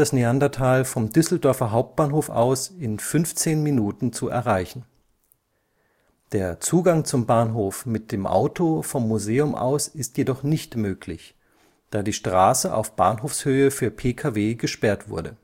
Neandertal vom Düsseldorfer Hauptbahnhof aus in 15 Minuten zu erreichen. Der Zugang zum Bahnhof mit dem Auto vom Museum aus ist jedoch nicht möglich, da die Straße auf Bahnhofshöhe für PKW gesperrt wurde